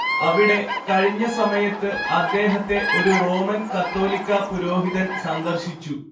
അവിടെ കഴിഞ്ഞ സമയത്ത് അദ്ദേഹത്തെ ഒരു റോമൻ കത്തോലിക്കാ പുരോഹിതൻ സന്ദർശിച്ചു